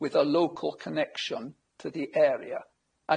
with a local connection to the area.